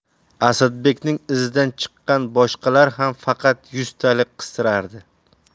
asadbekning izidan chiqqan boshqalar ham faqat yuztalik qistirardi